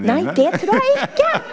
nei, det tror jeg ikke.